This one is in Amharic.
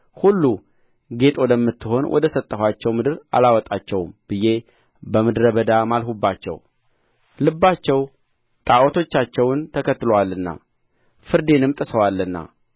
ሁሉ ጌጥ ወደምትሆን ወደ ሰጠኋቸው ምድር አላመጣቸውም ብዬ በምድረ በዳ ማልሁባቸው ልባቸው ጣዖቶቻቸውን ተከትሎአልና ፍርዴንም ጥሰዋልና